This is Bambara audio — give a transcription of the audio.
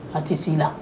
A tɛ sin na